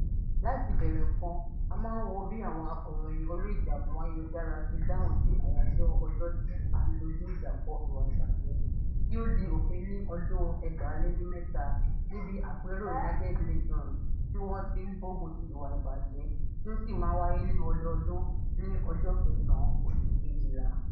Láti bẹ̀rẹ̀ nǹkan a máa ń wo bí àwọn akọ̀ròyìn orí ìtàkùn ayélujára ṣe dáhùn sí àyájọ́ ọjọ́ tí à ń dójú ìjà kọ ìwà ibajẹ, tí ó di òfin ní ọdún 2003 níbi àpérò United Nations tí wọ́n tí ń gbógun ti ìwà ìbàjẹ́ tí ó sì máa ń wáyé ní ọdọọdún ní ọjọ́ kẹsàn-án oṣù Kejìlá.